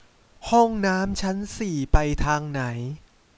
ห้องน้ำชั้นสี่ไปทางไหน